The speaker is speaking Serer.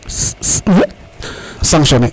sanction ne